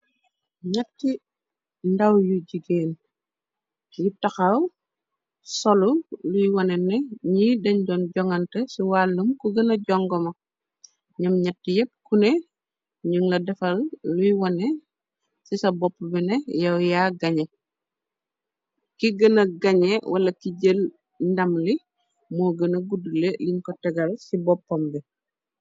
Natti ndaw yu jigeen yib taxaw solu luy wone ne ñiy dañ doon joŋante ci wàllum ko gëna jongomo ñam ñatti yépp kune ñuŋ la defal luy wone ci sa bopp bi ne yaw yaa gañe ki gëna gañe wala ci jël ndam li moo gëna guddule liñ ko tegal ci boppam bi.